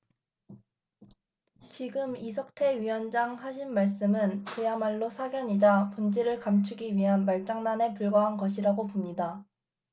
지금 이석태 위원장 하신 말씀은 그야말로 사견이자 본질을 감추기 위한 말장난에 불과한 것이라고 봅니다